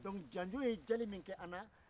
donc janjo ye diyali min kɛ an na